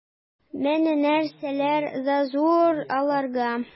Менә нәрсәләр зарур аларга...